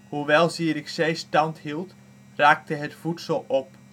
Hoewel Zierikzee stand hield, raakte het voedsel op